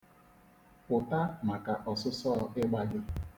Pụta maka ọsụsọọ ịgba gị.